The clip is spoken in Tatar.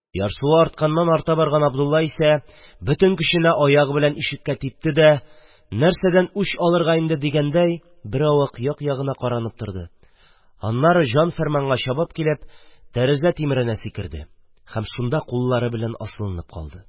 Ярсуы артканнан-арта барган Абдулла исә бөтен көченә аягы белән ишеккә типте дә, нәрсәдән үч алырга инде дигәндәй, беравык як-ягына каранып торды, аннары җан-фарманга чабып килеп тәрәзә тимеренә сикерде һәм шунда куллары белән асылынып калды.